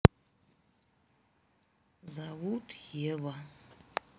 зовут ева